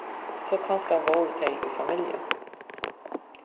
so kanska vóru tey í familju